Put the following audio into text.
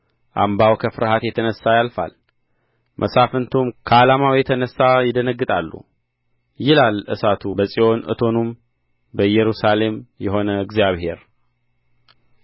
አምባው ከፍርሃት የተነሣ ያልፋል መሳፍንቱም ከዓላማው የተነሣ ይደነግጣሉ ይላል እሳቱ በጽዮን እቶኑም በኢየሩሳሌም የሆነ እግዚአብሔር